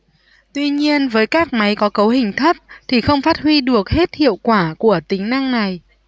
tuy nhiên với các máy có cấu hình thấp thì không phát huy được hết hiệu quả của tính năng này